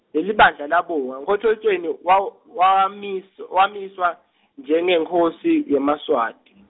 lelibandla labonga, Nkhotfwetjeni, wa- wawamis-, wamiswa, njengenkhosi, yemaSwati.